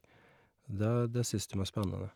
det Det syns dem er spennende.